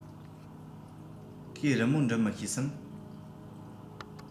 ཁོས རི མོ འབྲི མི ཤེས སམ